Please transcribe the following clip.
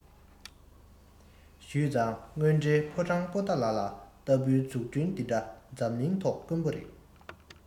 ཞུས ཙང དངོས འབྲེལ ཕོ བྲང པོ ཏ ལ ལྟ བུའི འཛུགས སྐྲུན དེ འདྲ འཛམ གླིང ཐོག དཀོན པོ རེད